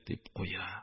-дип куя.